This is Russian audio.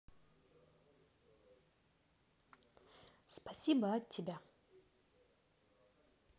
спасибо от тебя